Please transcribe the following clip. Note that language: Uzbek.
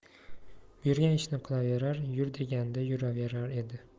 buyurgan ishini qilaverar yur deganiga yuraverar edi